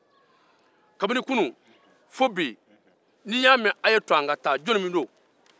kabini kunun fo bi n'i y'a mɛn a to an ka taa jɔnni don